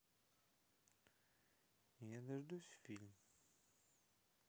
я дождусь фильм